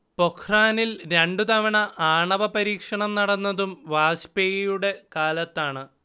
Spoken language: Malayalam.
പൊഖ്റാനിൽ രണ്ടു തവണ ആണവ പരീക്ഷണം നടന്നതും വാജ്പേയിയുടെ കാലത്താണ്